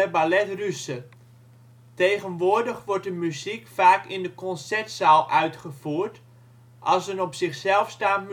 Ballets Russes. Tegenwoordig wordt de muziek vaak in de concertzaal uitgevoerd als een op zichzelf staand